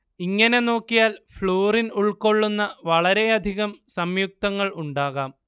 ഇങ്ങനെ നോക്കിയാൽ ഫ്ലൂറിൻ ഉൾക്കൊള്ളുന്ന വളരെയധികം സംയുക്തങ്ങൾ ഉണ്ടാകാം